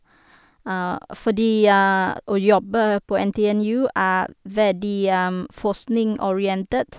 og Fordi å jobbe på NTNU er veldig forskningsorientert.